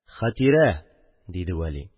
– хәтирә, – диде вәли.